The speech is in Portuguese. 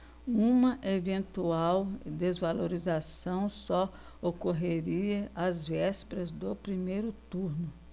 uma eventual desvalorização só ocorreria às vésperas do primeiro turno